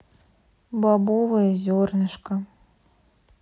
бобовое зернышко